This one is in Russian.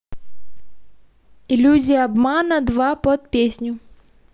иллюзия обмана два под песню